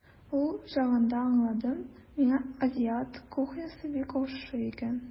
Ул чагында аңладым, миңа азиат кухнясы бик ошый икән.